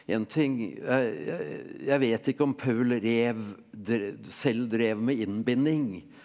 en ting jeg vet ikke om Paul Rev selv drev med innbinding.